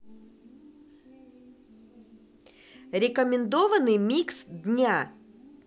рекомендованный микс дня